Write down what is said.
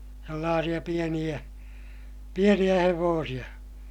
sellaisia pieniä pieniä hevosia